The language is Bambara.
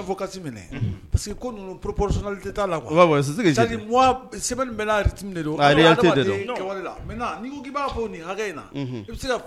jaabi minɛ parce ko poroorosili' la b'a